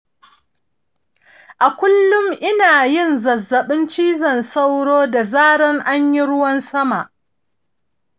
a kullum ina yin zazzabin cizon sauro da zarar an yi ruwan sama.